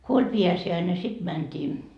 kun oli pääsiäinen sitten mentiin